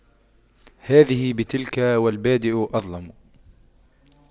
هذه بتلك والبادئ أظلم